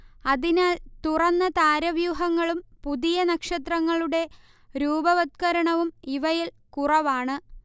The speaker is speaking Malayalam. അതിനാൽ തുറന്ന താരവ്യൂഹങ്ങളും പുതിയ നക്ഷത്രങ്ങളുടെ രൂപവത്കരണവും ഇവയിൽ കുറവാണ്